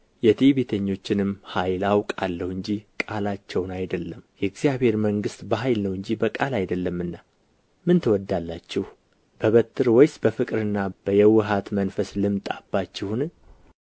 የትዕቢተኞችንም ኃይል አውቃለሁ እንጂ ቃላቸውን አይደለም የእግዚአብሔር መንግሥት በኃይል ነው እንጂ በቃል አይደለምና ምን ትወዳላችሁ በበትር ወይስ በፍቅርና በየውሃት መንፈስ ልምጣባችሁን